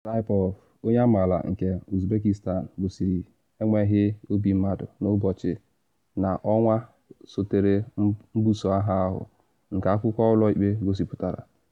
Saipov, onye amaala nke Uzbekistan, gosiri enweghị obi mmadụ n’ụbọchị na ọnwa sotere mbuso agha ahụ, nke akwụkwọ ụlọ ikpe gosipụtara.